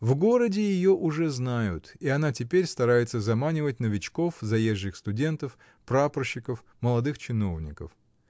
В городе ее уже знают, и она теперь старается заманивать новичков, заезжих студентов, прапорщиков, молодых чиновников.